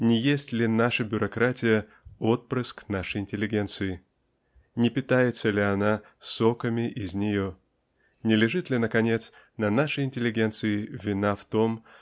не есть ли наша бюрократия отпрыск нашей интеллигенции не питается ли она соками из нее не лежит ли наконец на нашей интеллигенции вина в том